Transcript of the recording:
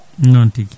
noon tigui